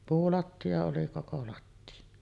puulattia oli koko lattia